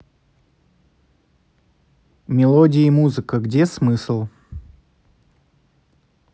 мелодии музыка где смысл